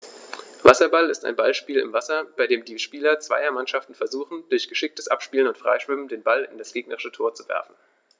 Wasserball ist ein Ballspiel im Wasser, bei dem die Spieler zweier Mannschaften versuchen, durch geschicktes Abspielen und Freischwimmen den Ball in das gegnerische Tor zu werfen.